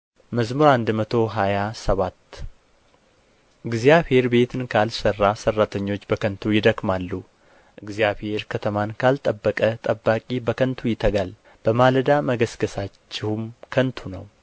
መዝሙር መቶ ሃያ ሰባት እግዚአብሔር ቤትን ካልሠራ ሠራተኞች በከንቱ ይደክማሉ እግዚአብሔር ከተማን ካልጠበቀ ጠባቂ በከንቱ ይተጋል በማለዳ መገሥገሣችሁም ከንቱ ነው